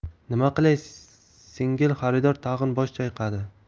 nima qilay singil xaridor tag'in bosh chayqadi